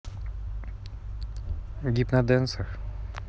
гипноденсер